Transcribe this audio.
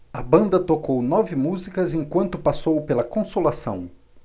a banda tocou nove músicas enquanto passou pela consolação